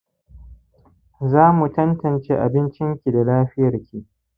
za mu tantance abincinki da lafiyarki.